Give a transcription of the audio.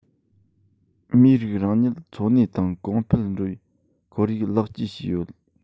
མིའི རིགས རང ཉིད འཚོ གནས དང གོང འཕེལ འགྲོ བའི ཁོར ཡུག ལེགས བཅོས བྱས ཡོད